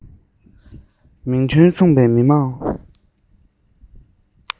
མིང དོན མཚུངས པའི མི དམངས